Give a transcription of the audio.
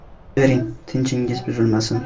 yotavering tinchingiz buzilmasin